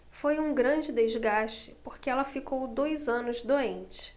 foi um grande desgaste porque ela ficou dois anos doente